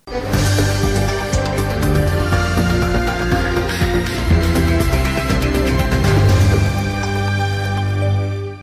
Wa